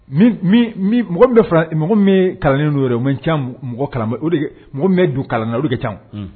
Mɔgɔ bɛ mɔgɔ bɛ kalannen' yɛrɛ ye mɔgɔ mɔgɔ kalan na olu kɛ ca